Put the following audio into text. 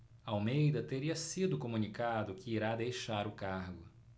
almeida teria sido comunicado que irá deixar o cargo